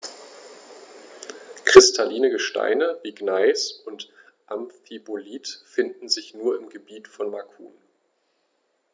Kristalline Gesteine wie Gneis oder Amphibolit finden sich nur im Gebiet von Macun.